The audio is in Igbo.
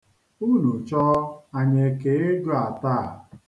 Unu chọọ, anyị ekee ego a taa.